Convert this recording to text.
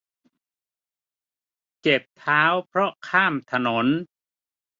เจ็บเท้าเพราะข้ามถนน